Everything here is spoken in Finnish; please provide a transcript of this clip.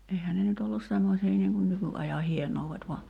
eihän ne nyt ollut semmoisia niin kuin nykyajan hienoudet vaan